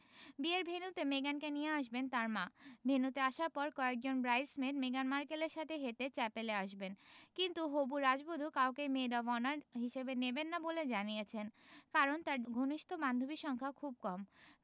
বিয়ের ভেন্যুতে মেগানকে নিয়ে আসবেন তাঁর মা ভেন্যুতে আসার পর কয়েকজন ব্রাইডস মেড মেগান মার্কেলের সাথে হেঁটে চ্যাপেলে আসবেন কিন্তু হবু রাজবধূ কাউকেই মেড অব অনার হিসেবে নেবেন না বলে জানিয়েছেন কারণ তাঁর ঘনিষ্ঠ বান্ধবীর সংখ্যা খুব কম